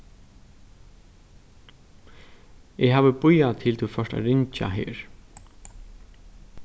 eg havi bíðað til tú fórt at ringja her